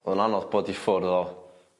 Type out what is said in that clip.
Ma'n anodd bod i ffwr' o